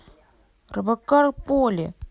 робокар полли